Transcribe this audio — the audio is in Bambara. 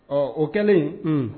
Ɔ o kɛlen; Un.